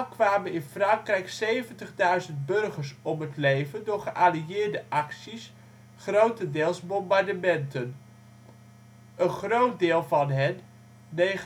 kwamen in Frankrijk 70.000 burgers om het leven door geallieerde acties, grotendeels bombardementen. Een groot deel van hen, 19.890